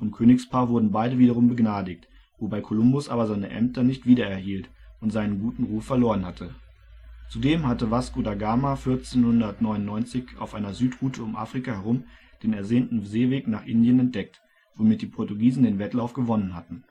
Königspaar wurden beide wiederum begnadigt, wobei Kolumbus aber seine Ämter nicht wiedererhielt und seinen guten Ruf verloren hatte. Zudem hatte Vasco da Gama 1499 auf einer Südroute um Afrika herum den ersehnten Seeweg nach Indien entdeckt, womit die Portugiesen den Wettlauf gewonnen hatten